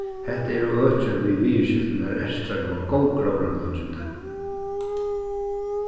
hetta eru øki við viðurskiftum har ertrar hava góð gróðrarlíkindi